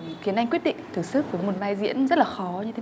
khiến anh quyết định thử sức với một vai diễn rất là khó như thế